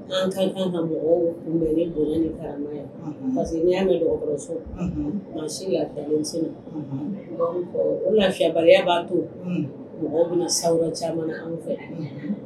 An ka' ka mɔgɔw bɛ ni bonya ni kara ye parce que n'i'a mɛnkɔrɔso ma si ka fɛn denmisɛnnin' u fɛnbaliya b'a to mɔgɔw bɛna sa caman anw fɛ